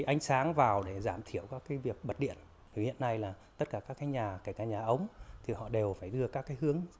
ánh sáng vào để giảm thiểu các cái việc bật điện vì hiện nay là tất cả các cái nhà kể cả nhà ống thì họ đều phải đưa các cái hướng